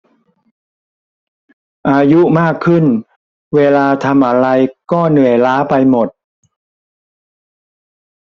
อายุมากขึ้นเวลาทำอะไรก็เหนื่อยล้าไปหมด